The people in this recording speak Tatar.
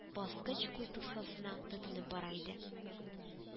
Баскыч култыксасына тотынып бара иде